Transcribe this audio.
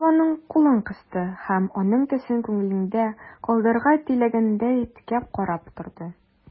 Ул аның кулын кысты һәм, аның төсен күңелендә калдырырга теләгәндәй, текәп карап торды.